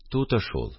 – туты шул